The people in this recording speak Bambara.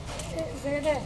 Hun dɛ